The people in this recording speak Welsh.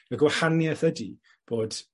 Y gwahanieth ydi bod